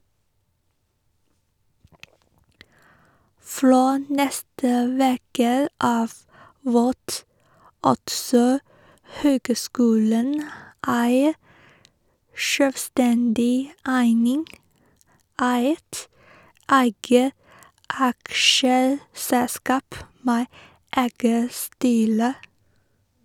Frå neste veke av vert altså høgskulen ei sjølvstendig eining, eit eige aksjeselskap med eige styre.